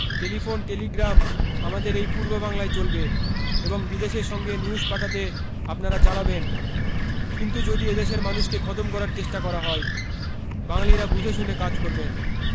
telephone telegram আমাদের এই পূর্ব বাংলায় চলবে এবং বিদেশের সংগে নিউজ পাঠাতে আপনারা চালাবেন কিন্তু যদি এদেশের মানুষকে খতম করার চেষ্টা করা হয় বাঙ্গালীরা বুঝে শুনে কাজ করবেন